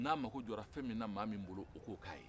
n'a mako jɔra fɛn min na maa min bolo o k'o k'a ye